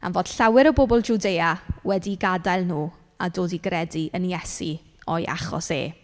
Am fod llawer o bobl Jiwdea wedi gadael nhw a dod i gredu yn Iesu o'i achos e.